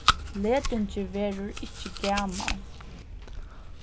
letingi verður ikki gamal